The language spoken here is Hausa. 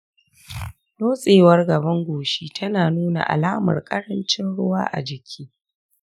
lotsewar gaban goshi tana nuna alamar ƙarancin ruwa a jiki